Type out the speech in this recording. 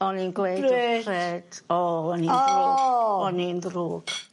O'n i'n gweud... Grêt. ...grêt o o'n i'n ddrw-... O! ...o'n ni'n ddrwg.